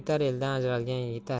yutar eldan ajralgan yitar